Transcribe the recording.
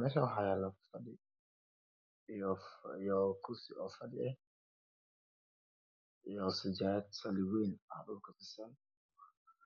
Meeshaan waxaa yaalo fadhi iyo kursi oo fadhi ah iyo sajaayad ama sali weyn oo dhulka fidsan